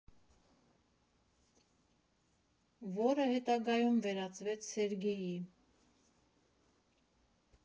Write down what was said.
Որը հետագայում վերածվեց Սերգեյի։